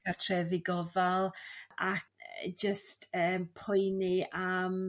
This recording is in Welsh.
cartrefi gofal ac jyst eem poeni am